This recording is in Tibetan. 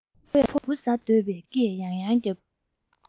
ཕོ བས འབུ ཟ འདོད ཀྱི སྐད ཡང ཡང རྒྱག